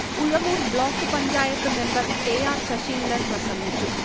Uzhavoor block panchayat member K. R. Saseendran പ്രസംഗിച്ചു